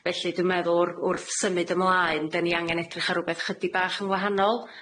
Felly dwi meddwl wr- wrth symud ymlaen, 'de ni angen edrych ar rwbeth chydig bach yn wahanol